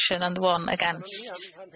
abstention and one against.